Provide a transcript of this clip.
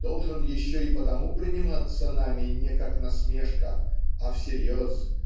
должен еще и потому приниматься нами не как насмешка а всерьез